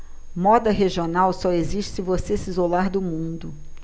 moda regional só existe se você se isolar do mundo